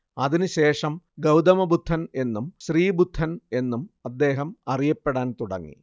അതിനുശേഷം ഗൗതമബുദ്ധൻ എന്നും ശ്രീബുദ്ധൻ എന്നും അദ്ദേഹം അറിയപ്പെടാൻ തുടങ്ങി